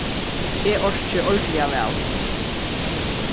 eg orki ordiliga væl